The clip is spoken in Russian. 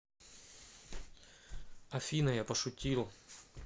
афина я пошутил